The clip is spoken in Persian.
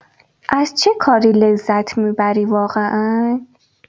از چه کاری لذت می‌بری واقعا؟